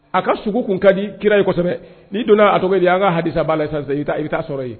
A ka sugu kun ka di kira ye kosɛbɛ n'i donna a cogo an ka hasa' la sisan i i bɛ taa sɔrɔ yen